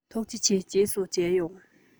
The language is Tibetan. ཐུགས རྗེ ཆེ རྗེས སུ མཇལ ཡོང